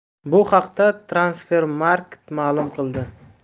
bu haqda transfermarkt ma'lum qildi